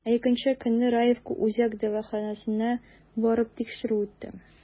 Ә икенче көнне, Раевка үзәк дәваханәсенә барып, тикшерү үттем.